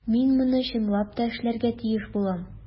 Мин моны чынлап та эшләргә тиеш булам.